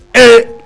Ee